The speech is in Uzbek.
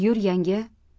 yur yanga